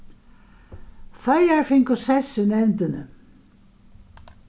føroyar fingu sess í nevndini